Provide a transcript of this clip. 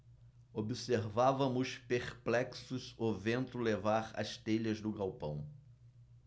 observávamos perplexos o vento levar as telhas do galpão